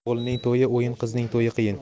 o'g'ilning to'yi o'yin qizning to'yi qiyin